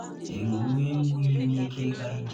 Enwenwughi ike ịga ije.